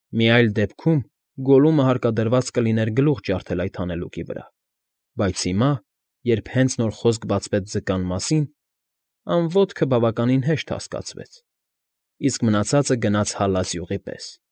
Մի այլ դեպքում Գոլլումը հարկադրված կլիներ գլուխ ջարդել այդ հանելուկի վրա, բայց հիմա, երբ հենց նոր խոսք բացվեց ձկան մասին, «անոտքը» բավական հեշտ հասկացվեց, իսկ մնացածը գնաց հալած յուղի պես.